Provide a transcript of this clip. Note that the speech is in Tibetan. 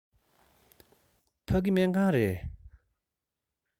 ཕ གི སྨན ཁང རེད